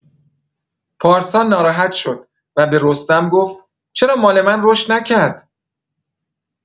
پارسا ناراحت شد و به رستم گفت: «چرا مال من رشد نکرد؟»